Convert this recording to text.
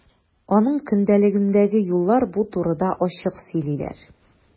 Аның көндәлегендәге юллар бу турыда ачык сөйлиләр.